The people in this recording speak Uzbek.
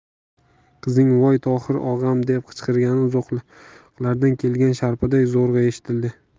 qizning voy tohir og'am deb qichqirgani uzoqlardan kelgan sharpaday zo'rg'a eshitildi